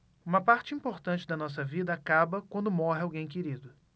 uma parte importante da nossa vida acaba quando morre alguém querido